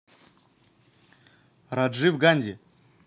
раджив ганди